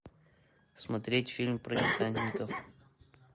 смотреть фильм про десантников